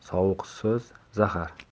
sovuq so'z zahar